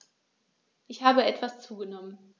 Ich habe etwas zugenommen